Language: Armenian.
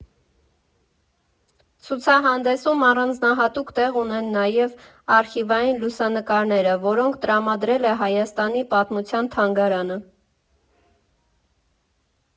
Ցուցահանդեսում առանձնահատուկ տեղ ունեն նաև արխիվային լուսանկարները, որոնք տրամադրել է Հայաստանի պատմության թանգարանը.